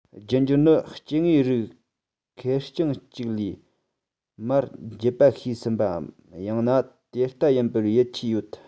རྒྱུད འགྱུར ནི སྐྱེ དངོས རིགས ཁེར རྐྱང གཅིག ལས མར བརྒྱུད པ ཤེས ཟིན པའམ ཡང ན དེ ལྟ ཡིན པར ཡིད ཆེས ཡོད